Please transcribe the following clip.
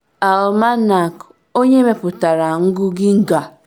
Almanak: Onye mepụtara ngụ Geiger